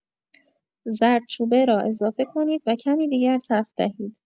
زردچوبه را اضافه کنید و کمی دیگر تفت دهید.